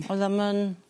Odd o'm yn